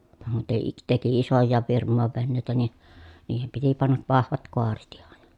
- teki isojakin firmojen veneitä niin niihin piti panna vahvat kaaret ihan